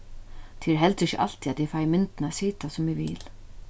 tað er heldur ikki altíð at eg fái myndina at sita sum eg vil